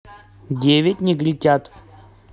девять негритят